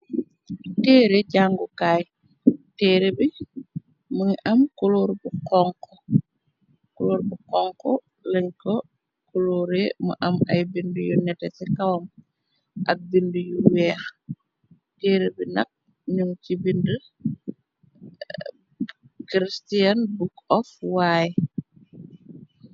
Teereh jàngukaay, teereh bi mungi am kuloor bu honko, kuloor bu honku len ko kulooreh mu am ay bindi yu nette ci kawam ak bindi yu weeh. Teereh bi nak nung ci bindi christian book of why.